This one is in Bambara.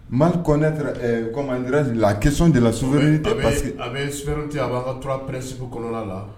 Mali kɔnɛ yɛrɛ la kion de la so a bɛ so cɛ a bɛ ka turapɛsi kɔnɔna la la